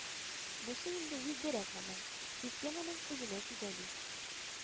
Бусы инде җитдирәк гамәл, системаның үзенә кизәнү